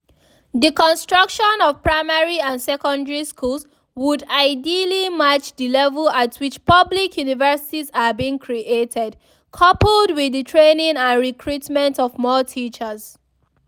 The construction of primary and secondary schools would ideally match the level at which public universities are being created, coupled with the training and recruitment of more teachers.